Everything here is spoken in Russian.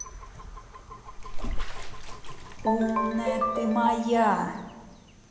умная ты моя